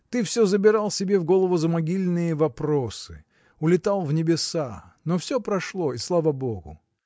Ты все забирал себе в голову замогильные вопросы, улетал в небеса. но все прошло – и слава богу!